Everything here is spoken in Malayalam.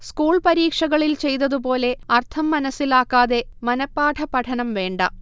സ്കൂൾ പരീക്ഷകളിൽ ചെയ്തതുപോലെ അർഥം മനസ്സിലാക്കാതെ മനഃപാഠ പഠനം വേണ്ട